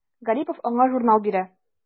Гарипов аңа журнал бирә.